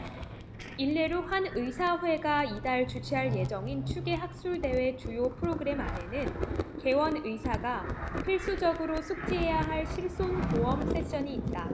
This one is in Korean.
일례로 한 의사회가 이달 주최할 예정인 추계 학술대회 주요 프로그램 안에는 개원의사가 필수적으로 숙지해야 할 실손보험 세션이 있다